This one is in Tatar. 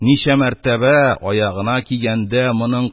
Ничә мәртәбә, аягына кигәндә, моның